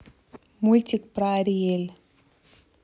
мультик про ариэль